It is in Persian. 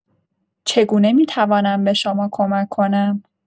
چگونه می‌توانم به شما کمک کنم؟